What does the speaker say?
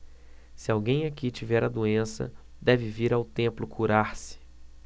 se alguém aqui tiver a doença deve vir ao templo curar-se